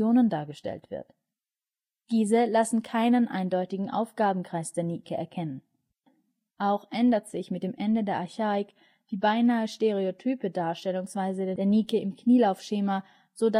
Diese lassen keinen eindeutigen Aufgabenkreis der Nike erkennen. Auch ändert sich mit dem Ende der Archaik die beinahe stereotype Darstellungsweise der Nike im Knielaufschema, sodass neben weiteren aufkommenden